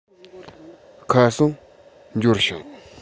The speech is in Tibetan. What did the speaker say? ཁ སང འབྱོར བྱུང